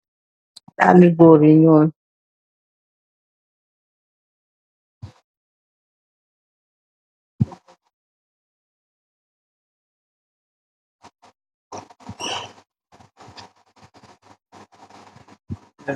Dalli gór yu ñuul.